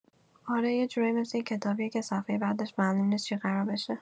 آره، یه جورایی مثل یه کتابیه که صفحۀ بعدش معلوم نیست چی قراره بشه.